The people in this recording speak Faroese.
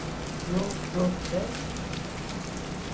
grov brotbreyð